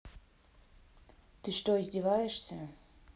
ты что издеваешься